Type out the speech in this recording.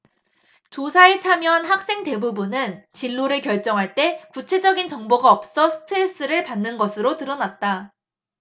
조사에 참여한 학생 대부분은 진로를 결정할 때 구체적인 정보가 없어 스트레스를 받는 것으로 드러났다